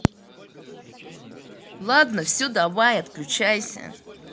ладно все давай отключайся